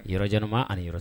Yɔrɔjanmaa ani yɔrɔ